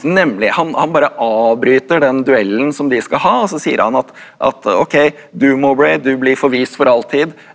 nemlig han han bare avbryter den duellen som de skal ha og så sier han at at ok du Mowbray du blir forvist for alltid.